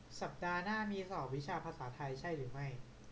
สัปดาห์หน้ามีสอบวิชาภาษาไทยใช่หรือไม่